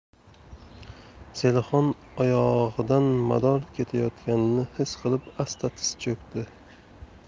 zelixon oyog'idan mador ketayotganini his qilib asta tiz cho'kdi